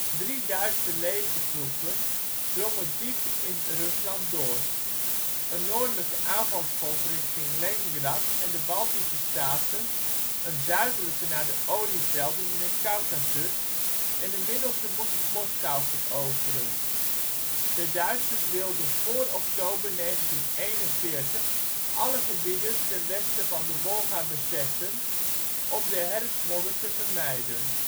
Drie Duitse legergroepen drongen diep in Rusland door. Een Noordelijke aanvalsgolf richting Leningrad en de Baltische staten, een Zuidelijke naar de olievelden in de Kaukasus en de middelste moest Moskou veroveren. De Duitsers wilden voor oktober 1941 alle gebieden ten Westen van de Wolga bezetten om de herfstmodder te vermijden